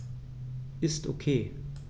Ist OK.